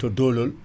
to Dolol